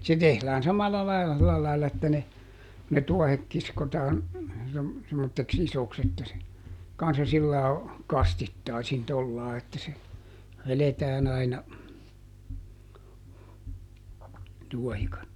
se tehdään samalla lailla sillä lailla että ne ne tuohet kiskotaan - semmoiseksi isoksi että se kanssa sillä lailla kastittaisin tuolla lailla että se vedetään aina tuohikatto